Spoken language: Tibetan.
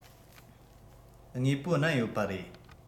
དངོས པོ བསྣན ཡོད པ རེད